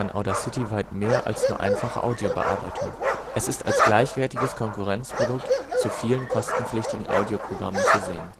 Audacity weit mehr als nur einfache Audiobearbeitung, es ist als gleichwertiges Konkurrenzprodukt zu vielen kostenpflichtigen Audio-Programmen zu sehen